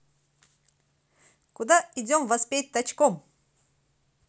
куда идем воспеть точком